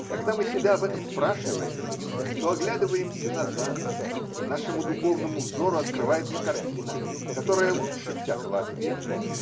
Когда мы себя об этом спрашиваем, то оглядываемся назад, и нашему духовному взору открывается картина, которая лучше всякого ответа.